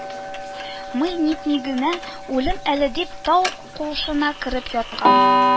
Мый-нитми генә үлим әле дип, тау куышына кереп яткан